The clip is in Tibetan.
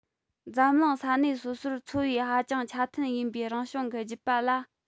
འཛམ གླིང ས གནས སོ སོར འཚོ བའི ཧ ཅང ཆ མཐུན ཡིན པའི རང བྱུང གི རྒྱུད པ ལ